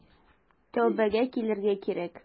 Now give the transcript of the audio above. Тәүбәгә килергә кирәк.